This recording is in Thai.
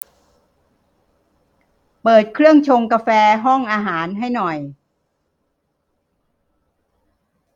เปิดเครื่องชงกาแฟห้องอาหารให้หน่อย